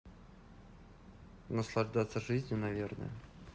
наслаждаться жизнью наверное